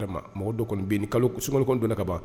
Vraiment -- mɔgɔ dɔ kɔni beye ni kalo ksunkalo kɔni donna kaban